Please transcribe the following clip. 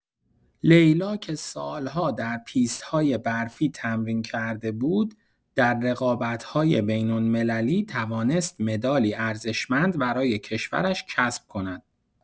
لیلا که سال‌ها در پیست‌های برفی تمرین کرده بود، در رقابت‌های بین‌المللی توانست مدالی ارزشمند برای کشورش کسب کند.